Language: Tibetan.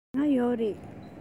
དེ སྔ ཡོད རེད